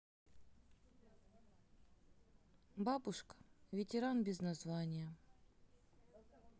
бабушка ветеран без названия